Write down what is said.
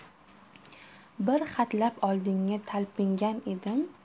bir hatlab oldinga talpingan edim